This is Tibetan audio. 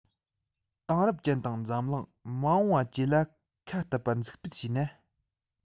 དེང རབས ཅན དང འཛམ གླིང མ འོངས པ བཅས ལ ཁ གཏད པ འཛུགས སྤེལ བྱས ན